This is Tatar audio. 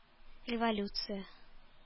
Революция